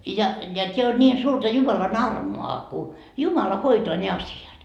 ja ja tämä on niin suurta Jumalan armoa kun Jumala hoitaa ne asiat